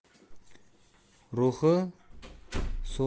ruhi so'lg'inning ishi so'lg'in